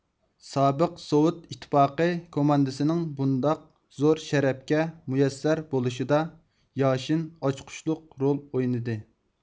سابىق سوۋېت ئىتتىپاقى كوماندىسىنىڭ بۇنداق زور شەرەپكە مۇيەسسەر بولۇشىدا ياشىن ئاچقۇچلۇق رول ئوينىدى